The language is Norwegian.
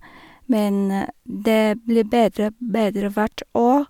Men det blir bedre og bedre hvert år.